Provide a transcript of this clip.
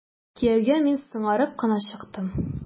Кияүгә мин соңарып кына чыктым.